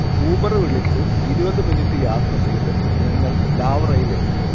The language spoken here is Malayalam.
ഊബറു വിളിച്ച് ഇരുപത് മിനിറ്റ് യാത്ര ചെയ്ത് ഞങ്ങൾ ലാവ്റയിലെത്തി